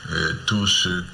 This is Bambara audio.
Ɛɛ, tout se